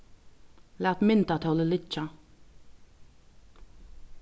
lat myndatólið liggja